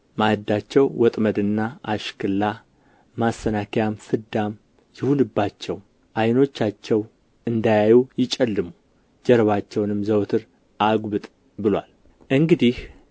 ማዕዳቸው ወጥመድና አሽክላ ማሰናከያም ፍዳም ይሁንባቸው ዓይኖቻቸው እንዳያዩ ይጨልሙ ጀርባቸውንም ዘወትር አጉብጥ ብሎአል እንግዲህ